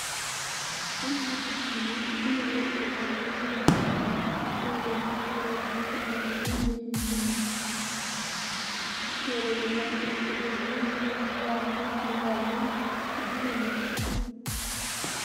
Ana ku tiyeh tere bu am bindi dine tere tere bi bi mongi ame binda yu nuul tere bi nak deng ko dex jeel di janga si walum dinne.